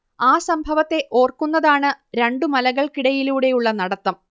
ആ സംഭവത്തെ ഓർക്കുന്നതാണ് രണ്ടു മലകൾക്കിടയിലൂടെയുള്ള നടത്തം